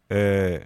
Ee